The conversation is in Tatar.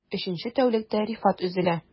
Өченче тәүлектә Рифат өзелә...